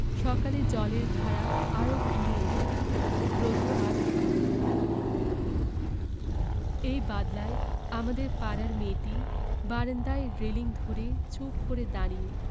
সকালে জলের ধারা আরো ঘনিয়ে এল রোদ্র আর উঠল না এই বাদলায় আমাদের পাড়ার মেয়েটি বারান্দায় রেলিঙ ধরে চুপ করে দাঁড়িয়ে